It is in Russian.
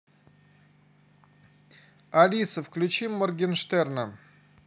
алиса включи моргенштерна